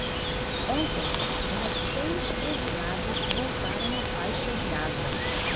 ontem mais seis exilados voltaram à faixa de gaza